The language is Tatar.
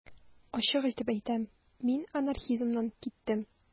Ачык итеп әйтәм: мин анархизмнан киттем.